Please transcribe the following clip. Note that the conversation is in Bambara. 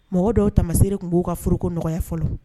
Mɔgɔ dɔw tama sere tun b'o ka foroko nɔgɔya fɔlɔ